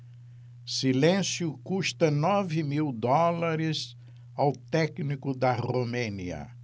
silêncio custa nove mil dólares ao técnico da romênia